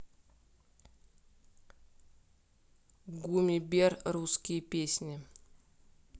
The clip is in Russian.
гумми бер русские песни